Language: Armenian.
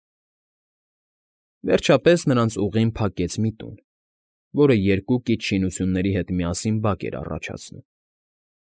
Վերջպաես նրանց ուղին փակեց մի տուն, որը երկու կից շինությունների հետ միասին բակ էր առաջացնում։